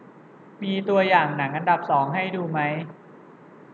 มีตัวอย่างหนังอันดับสองให้ดูไหม